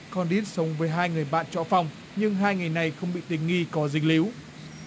co nít sống với hai người bạn trọ phòng nhưng hai người này không bị tình nghi có dính líu